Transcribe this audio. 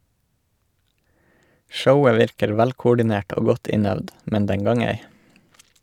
Showet virker velkoordinert og godt innøvd, men den gang ei.